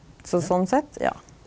så sånn sett ja.